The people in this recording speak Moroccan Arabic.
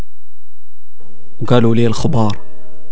قالوا لي الخضار